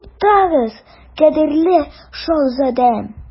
Туктагыз, кадерле шаһзадәм.